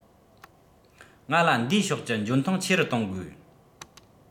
ང ལ འདིའི ཕྱོགས ཀྱི འཇོན ཐང ཆེ རུ གཏོང དགོས